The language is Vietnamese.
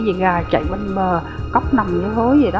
cái gì gà chạy quanh bờ cóc nằm dưới hố gì đó